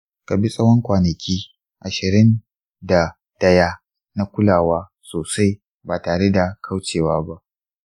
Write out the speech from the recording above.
kabi tsawon kwanaki ashirin da daya na kulawa sosai ba tare da kaucewa ba.